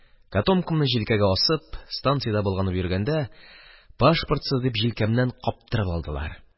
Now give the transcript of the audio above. Котомкамны җилкәгә асып, станциядә болганып йөргәндә, пашпортсыз дип, җилкәмнән каптырып алдылар.